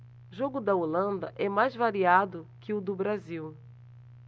jogo da holanda é mais variado que o do brasil